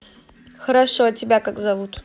хорошо а тебя как зовут